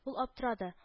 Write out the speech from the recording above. Ул аптырады